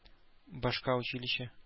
Башка училище